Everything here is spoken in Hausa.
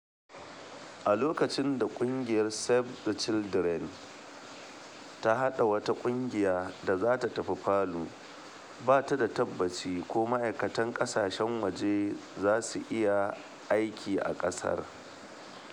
A lokacin da Save the Children ke haɗa wata ƙungiya da za ta tafi Palu, ba ta da tabbacin ko ma’aikatan ƙasashen waje za su iya aiki a ƙasar.